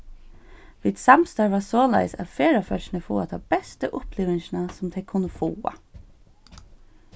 vit samstarva soleiðis at ferðafólkini fáa ta bestu upplivingina sum tey kunnu fáa